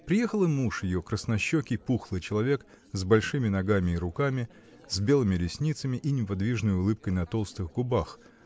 приехал и муж ее, краснощекий, пухлый человек с большими ногами и руками, с белыми ресницами и неподвижной улыбкой на толстых губах